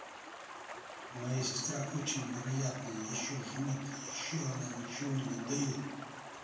моя сестра очень вероятная еще жмот и еще она ничего не дает